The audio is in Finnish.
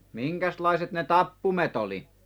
minkäslaiset ne tappuimet oli